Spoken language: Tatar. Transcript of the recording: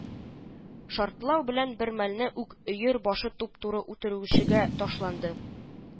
Шартлау белән бермәлне үк Өер башы туп-туры үтерүчегә ташланды